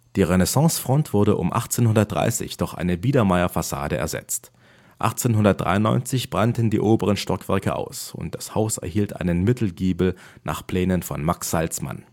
Die Renaissancefront wurde um 1830 durch eine Biedermeierfassade ersetzt. 1893 brannten die oberen Stockwerke aus, und das Haus erhielt einen Mittelgiebel nach Plänen von Max Salzmann